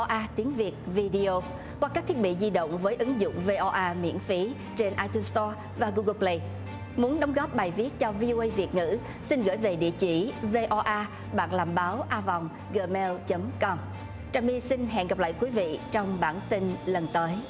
a tiếng việt vi đi ô qua các thiết bị di động với ứng dụng vê o a miễn phí trên ai tun sờ to và gu gồ pờ lây muốn đóng góp bài viết cho vi ô uây việt ngữ xin gửi về địa chỉ vê o a bạn làm báo a vòng gờ meo chấm com trà my xin hẹn gặp lại quý vị trong bản tin lần tới